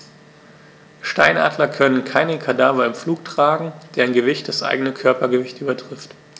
Steinadler können keine Kadaver im Flug tragen, deren Gewicht das eigene Körpergewicht übertrifft.